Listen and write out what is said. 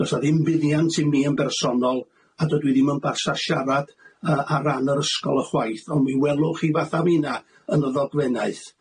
Do's 'a ddim buddiant i mi yn bersonol, a dydw i ddim yn barsa sharad yy ar ran yr ysgol ychwaith, ond mi welwch chi fath a fina yn y ddogfennaeth